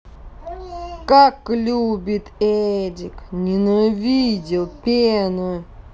как любит эдик ненавидел пена